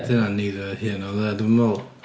Dydi hynna neither here nor there dwi'm yn meddwl.